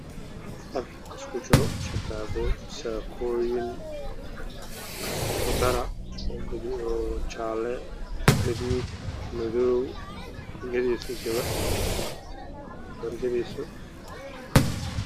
Waa dhar isugu jira gaduud cadaan iyo madow